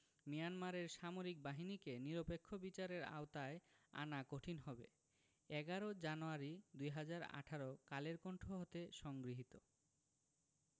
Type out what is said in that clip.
মিয়ানমারের সামরিক বাহিনীকে নিরপেক্ষ বিচারের আওতায় আনা কঠিন হবে ১১ জানুয়ারি ২০১৮ কালের কন্ঠ হতে সংগৃহীত